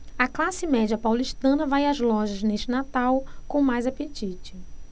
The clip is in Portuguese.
a classe média paulistana vai às lojas neste natal com mais apetite